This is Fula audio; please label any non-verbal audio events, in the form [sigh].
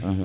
[hesitation] [hesitation]